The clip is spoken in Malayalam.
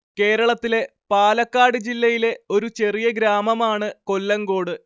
കേരളത്തിലെ പാലക്കാട് ജില്ലയിലെ ഒരു ചെറിയ ഗ്രാമമാണ് കൊല്ലങ്കോട്